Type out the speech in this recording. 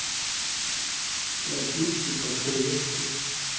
напитки покрепче